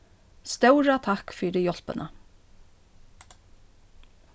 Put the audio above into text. stóra takk fyri hjálpina